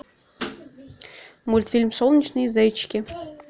мультфильм солнечные зайчики